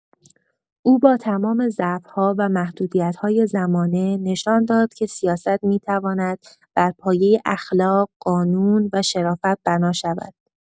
او با تمام ضعف‌ها و محدودیت‌های زمانه، نشان داد که سیاست می‌تواند بر پایه اخلاق، قانون و شرافت بنا شود.